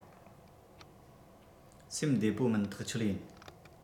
སེམས བདེ པོ མིན ཐག ཆོད ཡིན